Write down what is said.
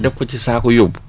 def ko ci saako yóbbu